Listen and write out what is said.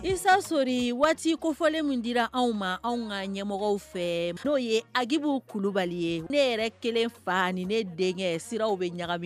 Isa Sori waati kofɔlen min dira anw ma, anw ka ɲɛmɔgɔw fɛ, n'o ye Akibu Kulibali ye, ne yɛrɛ kelen fa a ni ne denkɛ, siraw bɛ ɲagami.